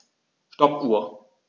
Stoppuhr.